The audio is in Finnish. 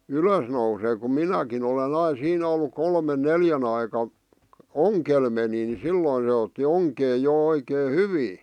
ylös nousee kun minäkin olen aina siinä ollut kolmen neljän aikaan ongella menin niin silloin ne otti onkeen jo oikein hyvin